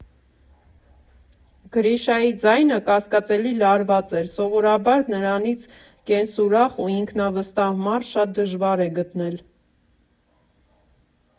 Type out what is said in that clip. Գրիշայի ձայնը կասկածելի լարված էր՝ սովորաբար նրանից կենսուրախ ու ինքնավստահ մարդ շատ դժվար է գտնել։